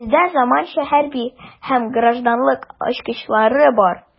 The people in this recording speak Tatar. Бездә заманча хәрби һәм гражданлык очкычлары бар.